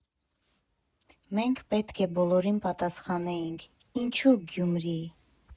Մենք պետք է բոլորին պատասխանեինք՝ ինչու Գյումրի։